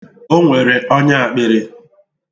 O nwere ọnya akpịrị.